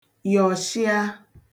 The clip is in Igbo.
yọ̀shịa